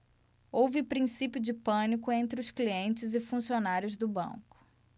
houve princípio de pânico entre os clientes e funcionários do banco